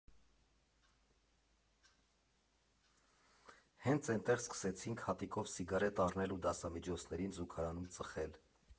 Հենց էնտեղ սկսեցինք հատիկով սիգարետ առնել ու դասամիջոցներին զուգարանում ծխել։